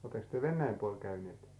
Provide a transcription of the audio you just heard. olettekos te Venäjän puolella käyneet